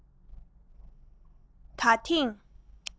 ད ཐེངས